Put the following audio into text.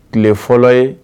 Tile fɔlɔ ye